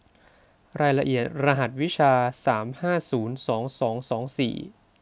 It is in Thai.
รายละเอียดรหัสวิชาสามห้าศูนย์สองสองสองสี่